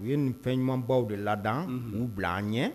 U ye nin fɛn ɲumanbaw de ladan k’u bila an ɲɛ